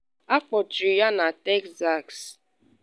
Akpọchiri ya na Texas.